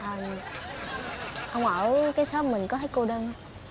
ờm ông ở cái sóp mình có thấy cô đơn hông